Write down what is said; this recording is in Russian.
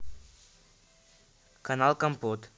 канал компот